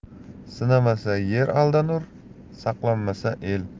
sinamasa er aldanur saqlanmasa el